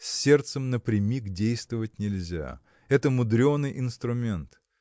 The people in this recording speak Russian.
С сердцем напрямик действовать нельзя. Это мудреный инструмент